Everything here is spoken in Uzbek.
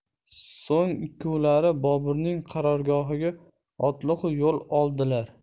so'ng ikkovlari boburning qarorgohiga otliq yo'l oldilar